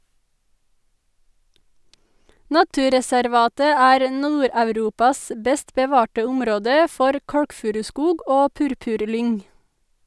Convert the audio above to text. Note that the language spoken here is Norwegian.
Naturreservatet er Nord-Europas best bevarte område for kalkfuruskog og purpurlyng.